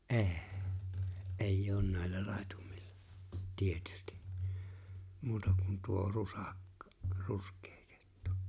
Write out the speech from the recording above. ei ei ole näillä laitumilla tietysti muuta kuin tuo - ruskea kettu